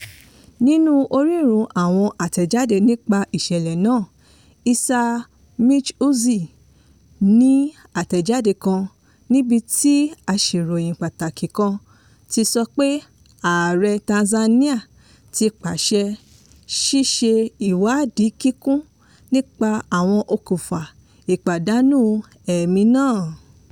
Nìnú onírúurú àwọn àtẹ̀jáde nípa ìṣẹ̀lẹ̀ náà, Issa Michuzi ní àtẹ̀jáde kan níbi tí aṣeròyìn pàtàkì kan ti sọ pé Aàre Tanzania ti páṣẹ ṣíṣe ìwádìí kíkún nípa àwọn okùnfa ìpádànù ẹ̀mí náà.